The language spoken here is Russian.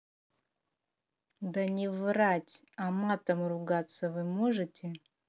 да не врать а матом ругаться вы можете